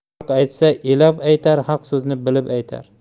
xalq aytsa elab aytar haq so'zni bilib aytar